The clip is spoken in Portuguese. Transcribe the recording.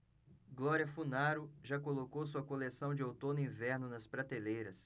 glória funaro já colocou sua coleção de outono-inverno nas prateleiras